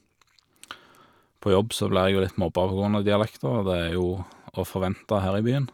På jobb så blir jeg jo litt mobba på grunn av dialekten, og det er jo å forvente her i byen.